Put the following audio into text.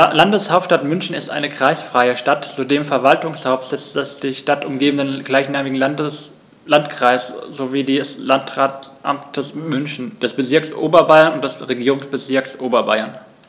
Die Landeshauptstadt München ist eine kreisfreie Stadt, zudem Verwaltungssitz des die Stadt umgebenden gleichnamigen Landkreises sowie des Landratsamtes München, des Bezirks Oberbayern und des Regierungsbezirks Oberbayern.